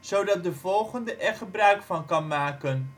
zodat de volgende er gebruik van kan maken